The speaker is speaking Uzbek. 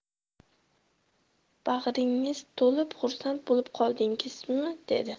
bag'ringiz to'lib xursand bo'lib qoldingizmi dedi